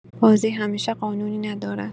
بازی همیشه قانونی ندارد.